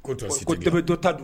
Ko dɔ bɛ dɔ ta dun.